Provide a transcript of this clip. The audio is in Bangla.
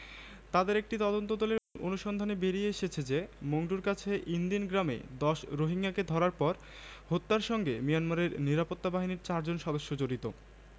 ০৩ সংবাদ রোহিঙ্গা হত্যার কথা স্বীকার মিয়ানমারের রাখাইন রাজ্যে রোহিঙ্গাদের হত্যায় সম্পৃক্ত থাকার কথা প্রথমবারের মতো স্বীকার করেছে মিয়ানমার সেনাবাহিনী